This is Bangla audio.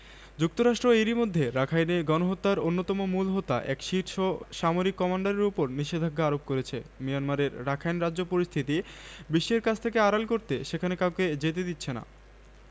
যুক্তরাষ্ট্র এরই মধ্যে রাখাইনে গণহত্যার অন্যতম মূল হোতা এক শীর্ষ সামরিক কমান্ডারের ওপর নিষেধাজ্ঞা আরোপ করেছে মিয়ানমার রাখাইন রাজ্য পরিস্থিতি বিশ্বের কাছ থেকে আড়াল করতে সেখানে কাউকে যেতে দিচ্ছে না